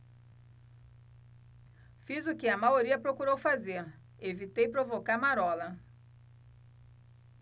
fiz o que a maioria procurou fazer evitei provocar marola